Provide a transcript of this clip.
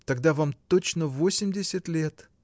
тогда вам точно восемьдесят лет.